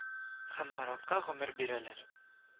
Һәм маратка гомер бирәләр